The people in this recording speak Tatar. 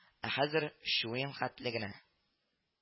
Ә хәзер чуен хәтле генә